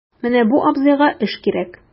Менә бу абзыйга эш кирәк...